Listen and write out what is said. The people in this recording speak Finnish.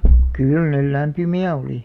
kyllä ne lämpimiä oli